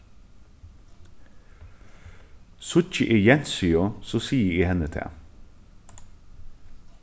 síggi eg jensiu so sigi eg henni tað